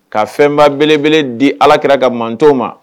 Ka fɛnba belebele di alaki ka mantɔ ma